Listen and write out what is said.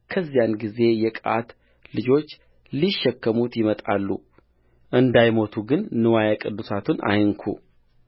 ከዚያን ጊዜ የቀዓት ልጆች ሊሸከሙት ይመጣሉ እንዳይሞቱ ግን ንዋየ ቅድሳቱን አይንኩ